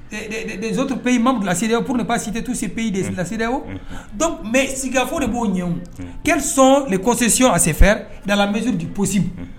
Des autres pays membres de la C D A O . Pour ne pas citer ces pays de la C D A O . Donc mais sigi ka fɔ de bo ɲɛ wo. Unhun . Quelles sont les concessions à se faire dans la mesure du possible ?